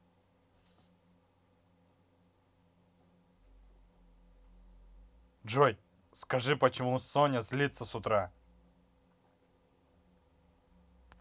джой скажи почему соня злится с утра